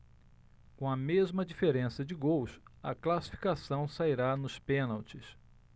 com a mesma diferença de gols a classificação sairá nos pênaltis